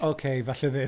Oce falle ddim.